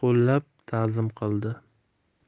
qo'llab ta'zim qildi